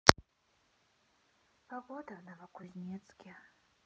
погода в новокузнецке